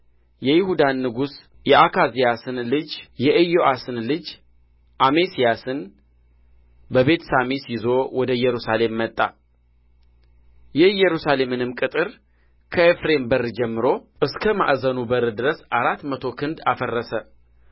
የይሁዳን ንጉሥ የአካዝያስን ልጅ የኢዮአስን ልጅ አሜስያስን በቤትሳሚስ ይዞ ወደ ኢየሩሳሌም መጣ የኢየሩሳሌምንም ቅጥር ከኤፍሬም በር ጀምሮ እስክ ማዕዘኑ በር ድረስ አራት መቶ ክንድ አፈረሰ